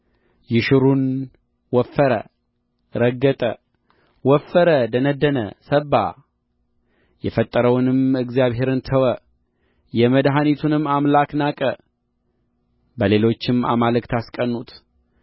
ይሹሩን ወፈረ ረገጠ ወፈረ ደነደነ ሰባ የፈጠረውንም እግዚአብሔርን ተወ የመድኃኒቱንም አምላክ ናቀ በሌሎች አማልክት አስቀኑት